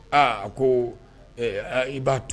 Aa a ko i b'a to